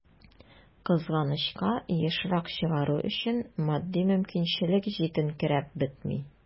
Кызганычка, ешрак чыгару өчен матди мөмкинчелек җитенкерәп бетми.